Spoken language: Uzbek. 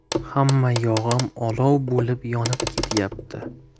hamma yog'im olov bo'lib yonib ketyapti